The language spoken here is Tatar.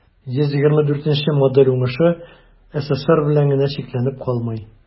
124 нче модель уңышы ссср белән генә чикләнеп калмый.